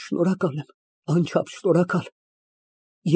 Շնորհակալ եմ, անչափ շնորհակալ։